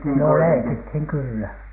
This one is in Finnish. no leikittiin kyllä